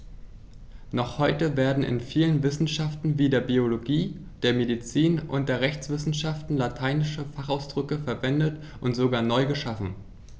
Noch heute werden in vielen Wissenschaften wie der Biologie, der Medizin und der Rechtswissenschaft lateinische Fachausdrücke verwendet und sogar neu geschaffen.